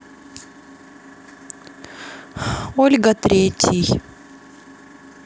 ольга третий